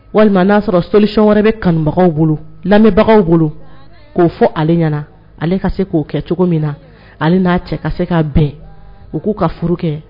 Walima n'a sɔrɔ solution wɛrɛ bɛ kanubagaw bolo, lamɛnbagaw bolo, k'o fɔ ale ɲɛna, ale ka se k'o kɛ cogo min na, hali n'a cɛ ka se ka bɛn , u k'u ka furu kɛ!